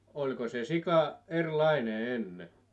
oliko se sika eri lainen ennen